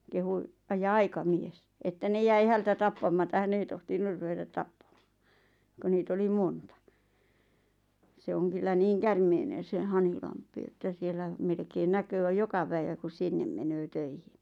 kehui - ja aikamies että ne jäi häneltä tappamatta hän ei tohtinut ruveta tappamaan kun niitä oli monta se on kyllä niin käärmeinen se Hanhilampi että siellä melkein näkee joka päivä kun sinne menee töihin